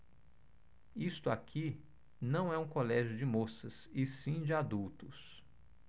isto aqui não é um colégio de moças e sim de adultos